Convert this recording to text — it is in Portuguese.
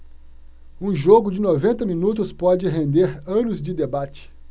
um jogo de noventa minutos pode render anos de debate